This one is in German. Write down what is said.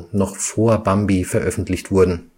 noch vor Bambi veröffentlicht wurden